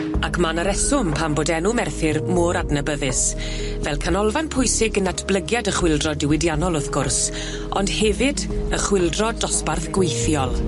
Ac ma' 'na reswm pam bod enw Merthyr mor adnabyddus fel canolfan pwysig yn natblygiad y chwyldro diwydiannol wrth gwrs ond hefyd y chwyldro dosbarth gweithiol.